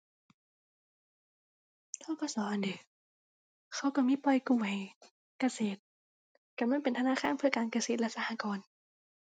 ธ.ก.ส. นั่นเด้ เขาก็มีปล่อยกู้ให้เกษตร ก็มันเป็นธนาคารเพื่อการเกษตรและสหกรณ์